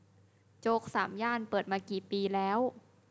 โจ๊กสามย่านเปิดมากี่ปีแล้ว